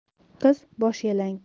qiz bosh yalang